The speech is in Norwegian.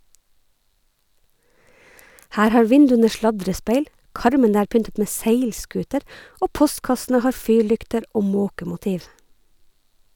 Her har vinduene sladrespeil, karmene er pyntet med seilskuter, og postkassene har fyrlykter og måkemotiv.